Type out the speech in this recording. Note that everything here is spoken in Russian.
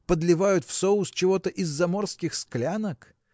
подливают в соус чего-то из заморских склянок.